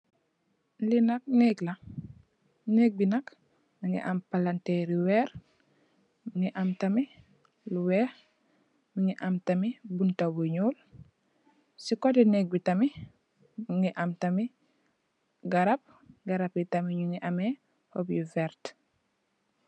Li nak nèeg la, neeg bi nak mungi am palanteer weer, mungi am tamit lu weeh, mungi am tamit bunta bu ñuul. Ci kotè neeg bi tamit mungi am tamit garab, garab yi tamit nungi ameh hoop yu vert.